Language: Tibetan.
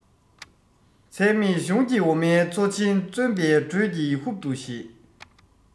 ཚད མེད གཞུང ཀྱི འོ མའི མཚོ ཆེན བརྩོན པའི འགྲོས ཀྱིས ཧུབ ཏུ བཞེས